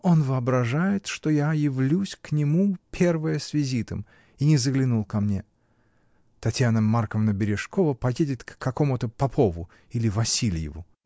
) Он воображает, что я явлюсь к нему первая с визитом, и не заглянул ко мне: Татьяна Марковна Бережкова поедет к какому-то Попову или Васильеву!